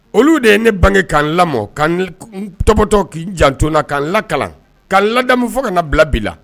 Olu de ye ne bange k'an lamɔ, k'an tɔbɔtɔ k'o janto na , k'an lakalan k'an ladamu fɔ ka n'a bila bi la.